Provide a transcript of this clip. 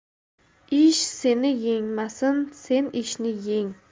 ish seni yengmasin sen ishni yeng